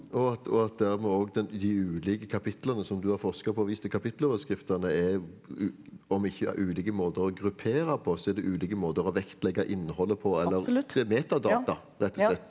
og at og at dermed òg den de ulike kapitlene som du har forska på og vist til kapitteloverskriftene er om ikke av ulike måter å gruppere på så er det ulike måter å vektlegge innholdet på eller det er metadata rett og slett.